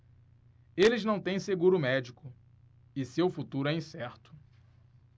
eles não têm seguro médico e seu futuro é incerto